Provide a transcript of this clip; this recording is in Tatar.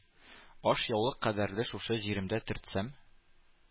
Ашъяулык кадәрле шушы җиремдә төртсәм